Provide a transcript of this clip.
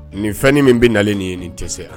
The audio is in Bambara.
Nin fɛn ni min bɛ na nin ye nin tɛ se wa